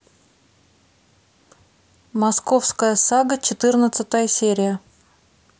московская сага четырнадцатая серия